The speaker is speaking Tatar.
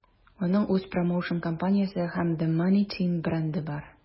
Аның үз промоушн-компаниясе һәм The Money Team бренды бар.